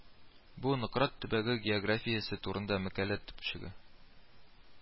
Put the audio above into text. Бу Нократ төбәге географиясе турында мәкалә төпчеге